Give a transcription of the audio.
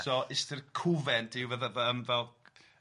So ystyr cwfent yw fydde fy- yym fel yy Convent ie.